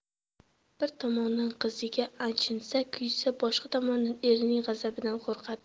bir tomondan qiziga achinsa kuysa boshqa tomondan erining g'azabidan qo'rqadi